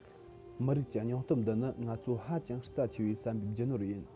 མི རིགས ཀྱི སྙིང སྟོབས འདི ནི ང ཚོའི ཧ ཅང རྩ ཆེ བའི བསམ པའི རྒྱུ ནོར ཡིན